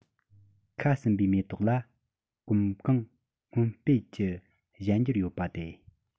ཁ ཟུམ པའི མེ ཏོག ལ གོམ གང སྔོན སྤོས ཀྱི གཞན འགྱུར ཡོད པ སྟེ